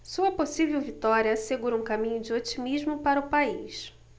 sua possível vitória assegura um caminho de otimismo para o país